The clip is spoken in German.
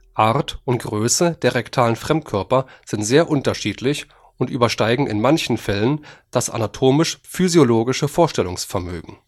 Art und Größe der rektalen Fremdkörper sind sehr unterschiedlich und übersteigen in manchen Fällen das anatomisch-physiologische Vorstellungsvermögen